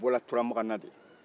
a bɔrɔ turamagan na de